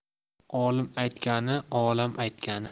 olim aytgani olam aytgani